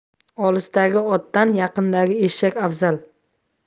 olisdagi otdan yaqindagi eshak afzal